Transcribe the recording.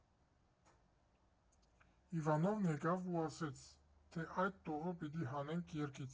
Իվանովն եկավ ու ասեց, թե այդ տողը պիտի հանենք երգից։